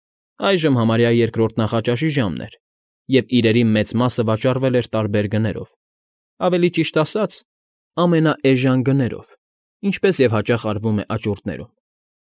Այժմ համարյա երկրորդ նախաճաշի ժամն էր և իրերի մեծ մասը վաճառվել էր տարբեր գներով, ավելի ճիշտ ասած, ամենաէժան գներով, ինչպես և հաճախ արվում է աճուրդներում։